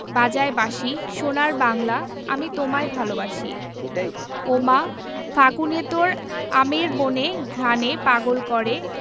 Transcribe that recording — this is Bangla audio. বাজায় বাঁশি সোনার বাংলা আমি তোমায় ভালোবাসি ওমা ফাগুনে তোর আমের বনে ঘ্রাণে পাগল করে